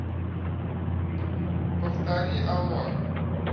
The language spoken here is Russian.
повтори алло